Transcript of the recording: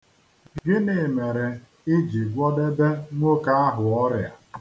Gịnị mere i ji gwọdebe nwoke ahụ ọrịa?